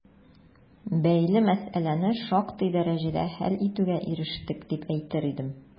Бәйле мәсьәләне шактый дәрәҗәдә хәл итүгә ирештек, дип әйтер идем.